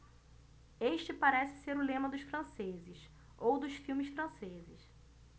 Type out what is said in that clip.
este parece ser o lema dos franceses ou dos filmes franceses